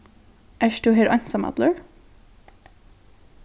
ert tú her einsamallur